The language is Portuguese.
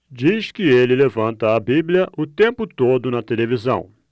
diz que ele levanta a bíblia o tempo todo na televisão